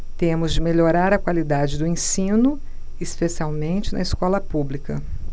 temos de melhorar a qualidade do ensino especialmente na escola pública